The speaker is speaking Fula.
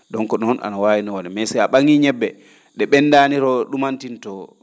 donc :ffra ?oon ano waawi noon wa?de mais si a ?a?ii ñebbe ?e ?endaani ro ?umantin to